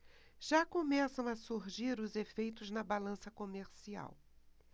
já começam a surgir os efeitos na balança comercial